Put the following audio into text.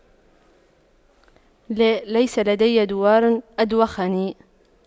لا ليس لدي دوار أدوخني